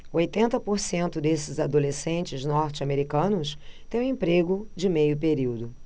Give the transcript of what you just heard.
oitenta por cento desses adolescentes norte-americanos têm um emprego de meio período